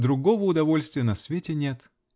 Другого удовольствия на свете нет.